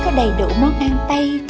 có đầy đủ món ăn tây